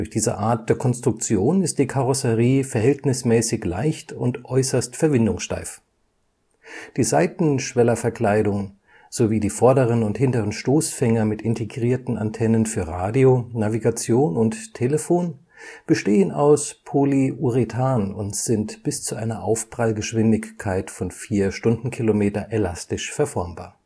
diese Art der Konstruktion ist die Karosserie verhältnismäßig leicht und äußerst verwindungssteif. Die Seitenschwellerverkleidungen sowie die vorderen und hinteren Stoßfänger mit integrierten Antennen für Radio, Navigation und Telefon bestehen aus Polyurethan und sind bis zu einer Aufprallgeschwindigkeit von 4 km/h elastisch verformbar